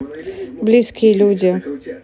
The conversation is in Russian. близкие люди